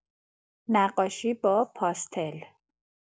نقاشی با پاستل